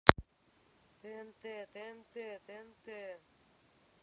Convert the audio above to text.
тнт тнт тнт